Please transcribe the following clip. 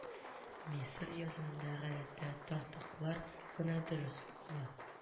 Мисыр язуында, гадәттә, тартыклар гына дөрес укыла